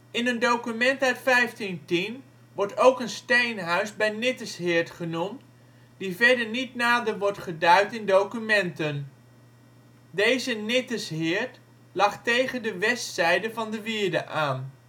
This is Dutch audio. In een document uit 1510 wordt ook een steenhuis bij Nittersheerd genoemd, die verder niet nader wordt geduid in documenten. Deze Nittersheerd lag tegen de westzijde van de wierde aan